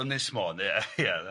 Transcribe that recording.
Ynys Môn, ie ie.